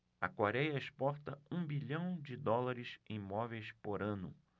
a coréia exporta um bilhão de dólares em móveis por ano